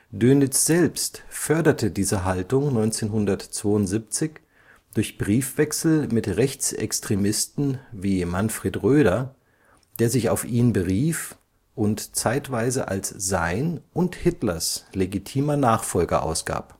Dönitz selbst förderte diese Haltung 1972 durch Briefwechsel mit Rechtsextremisten wie Manfred Roeder, der sich auf ihn berief und zeitweise als sein und Hitlers legitimer Nachfolger ausgab